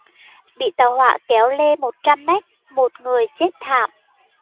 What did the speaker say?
bị tàu hỏa kéo lê một trăm mét một người chết thảm